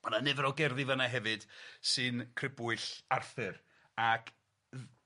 Ma' na nifer o gerddi fanna hefyd sy'n cribwyll Arthur ac dd-